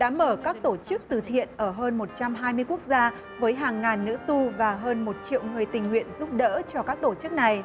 đã mở các tổ chức từ thiện ở hơn một trăm hai mươi quốc gia với hàng ngàn nữ tu và hơn một triệu người tình nguyện giúp đỡ cho các tổ chức này